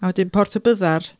A wedyn Porth y Byddar.